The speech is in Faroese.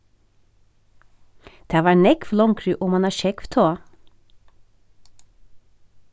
tað var nógv longri oman á sjógv tá